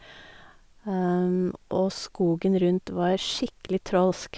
Og skogen rundt var skikkelig trolsk.